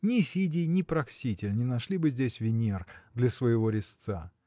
Ни Фидий, ни Пракситель не нашли бы здесь Венер для своего резца.